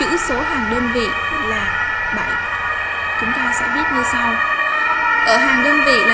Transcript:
chữ số hàng đơn vị là chúng ta sẽ viết như sau ở hàng đơn vị